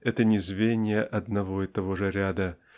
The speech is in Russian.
Это не звенья одного и того же ряда